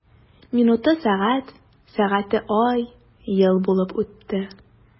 Минуты— сәгать, сәгате— ай, ел булып үтте.